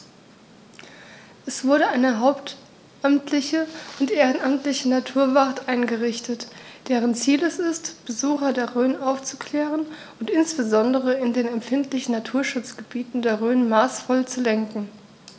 Es wurde eine hauptamtliche und ehrenamtliche Naturwacht eingerichtet, deren Ziel es ist, Besucher der Rhön aufzuklären und insbesondere in den empfindlichen Naturschutzgebieten der Rhön maßvoll zu lenken.